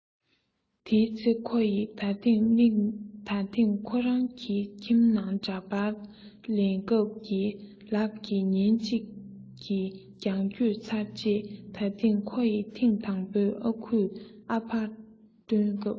དེའི ཚེ ཁོ ཡི ད ཐེངས དམིགས ད ཐེངས ཁོ རང གི སེམས ནང འདྲ པར ལེན སྐབས ཀྱི ལག གི ཉིན གཅིག གི རྒྱང བསྐྱོད ཚར རྗེས ད ཐེངས ཁོ ཡི ཐེངས དང པོ ཨ ཁུས ཨ ཕར བཏོན སྐབས